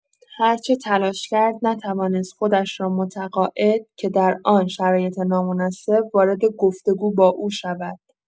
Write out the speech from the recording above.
هرچه تلاش کرد نتوانست خودش را متقاعد که در آن شرایط نامناسب وارد گفت‌وگو با او شود.